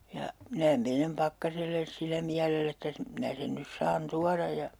ja minä menen Pakkaselle sillä mielellä että - minä sen nyt saan tuoda ja